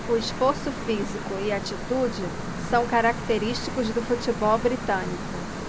o esforço físico e a atitude são característicos do futebol britânico